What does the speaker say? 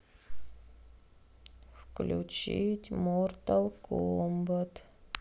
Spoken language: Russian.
включить мортал комбат